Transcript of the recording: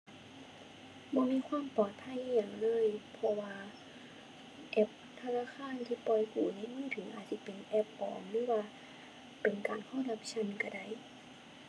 บ่มีความปลอดภัยอิหยังเลย เพราะว่าแอปธนาคารที่ปล่อยกู้ในมือถืออาจสิเป็นแอปปลอมหรือว่าเป็นการคอร์รัปชันก็ได้